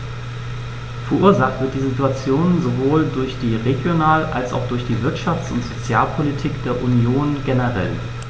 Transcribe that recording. Verursacht wird diese Situation sowohl durch die Regional- als auch durch die Wirtschafts- und Sozialpolitik der Union generell.